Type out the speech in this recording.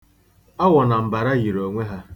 Awọ na mbara yiri onwe ha.